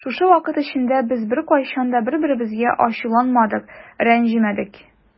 Шушы вакыт эчендә без беркайчан да бер-беребезгә ачуланмадык, рәнҗемәдек.